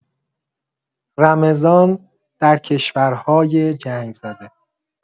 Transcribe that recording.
رمضان در کشورهای جنگ‌زده